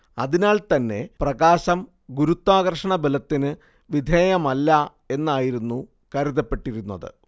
അതിനാൽത്തന്നെ പ്രകാശം ഗുരുത്വാകർഷണബലത്തിന് വിധേയമല്ല എന്നായിരുന്നു കരുതപ്പെട്ടിരുന്നത്